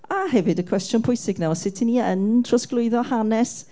A hefyd y cwestiwn pwysig nawr, sut y' ni yn trosglwyddo hanes?